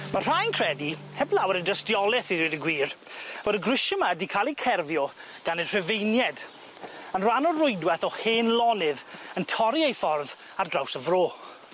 Ma' rhai'n credu, heb lawer o dystioleth i ddeud y gwir fod y grisie 'ma 'di ca'l eu cerfio gan y rhufeinied yn rhan o'r rwydweth o hen lonydd yn torri ei ffordd ar draws y fro.